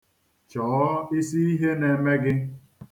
Chọọ isi ihe na-eme gị.